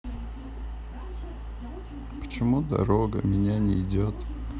почему дорога меня не идет